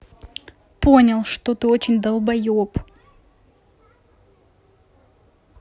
понял что ты очень долбоеб